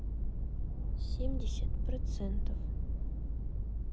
семьдесят процентов